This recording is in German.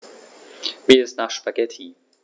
Mir ist nach Spaghetti.